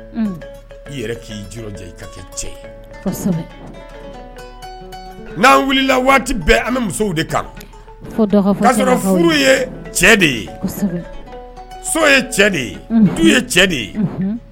Unh i yɛrɛ k'i jirɔja i ka kɛ cɛ ye kosɛbɛ n'an wulila waati bɛɛ an bɛ musow de kan fɔ dɔ ka fɔ cɛlakaw ye k'a sɔrɔ furu yee cɛ de ye kɔsɛbɛ so ye cɛ de ye unhun du ye cɛ de ye